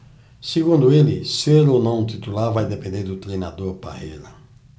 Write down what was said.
segundo ele ser ou não titular vai depender do treinador parreira